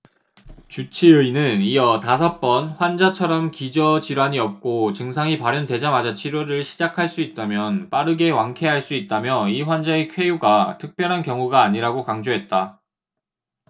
주치의는 이어 다섯 번 환자처럼 기저 질환이 없고 증상이 발현되자마자 치료를 시작할 수 있다면 빠르게 완쾌할 수 있다며 이 환자의 쾌유가 특별한 경우가 아니라고 강조했다